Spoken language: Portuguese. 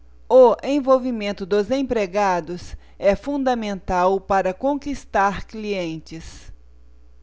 o envolvimento dos empregados é fundamental para conquistar clientes